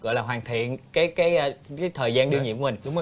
gọi là hoàn thiện cái cái cái thời gian đương nhiệm của mình